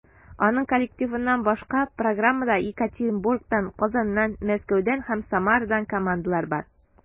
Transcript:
Аның коллективыннан башка, программада Екатеринбургтан, Казаннан, Мәскәүдән һәм Самарадан командалар бар.